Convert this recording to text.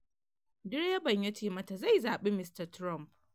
Direban ya ce mata zai zabi Mr. Trump.